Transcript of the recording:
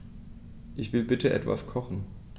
Ich will bitte etwas kochen.